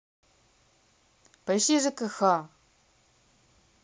поищи жкх